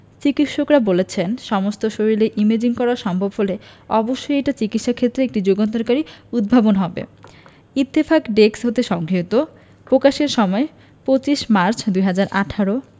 চিকিত্সকরা বলছেন সমস্ত শরীরের ইমেজিং করা সম্ভব হলে অবশ্যই এটা চিকিত্সাক্ষেত্রে একটি যুগান্তকারী উদ্ভাবন হবে ইত্তেফাক ডেস্ক হতে সংগৃহীত প্রকাশের সময় ২৫মার্চ ২০১৮